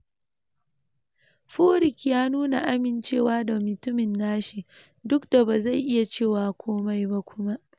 Furyk ya nuna amincewa da mutumin na shi, duk da ba zai iya cewa komai ba kuma.